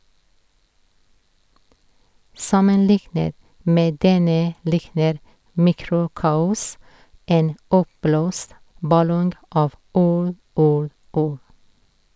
Sammenliknet med denne likner "Mikrokaos" en oppblåst ballong av ord, ord, ord.